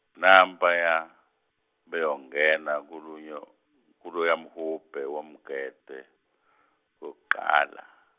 nampaya beyongena kuloya mhubhe womgede, wokuqala.